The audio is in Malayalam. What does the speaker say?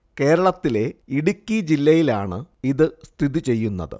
കേരളത്തിലെ ഇടുക്കി ജില്ലയിലാണ് ഇത് സ്ഥിതി ചെയ്യുന്നത്